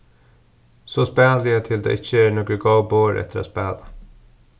so spæli eg til tað ikki eru nøkur góð borð eftir at spæla